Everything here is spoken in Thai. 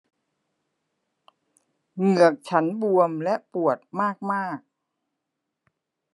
เหงือกฉันบวมและปวดมากมาก